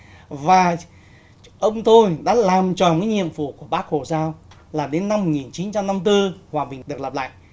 và ông tôi đã làm tròn nhiệm vụ của bác hồ giao là đến năm một nghìn chín trăm năm tư hòa bình được lặp lại